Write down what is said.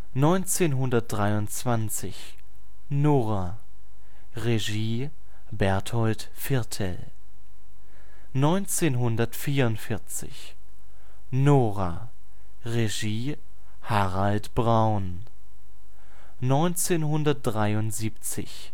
1923 – Nora – Regie: Berthold Viertel 1944 – Nora – Regie: Harald Braun 1973